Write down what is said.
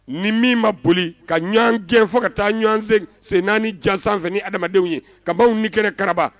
Ni min ma boli ka ɲɔgɔn gɛn fɔ ka taa ɲɔgɔn sen sen naani ni jansan2 adamadamadenw ye kaban ni kɛnɛ kabaraba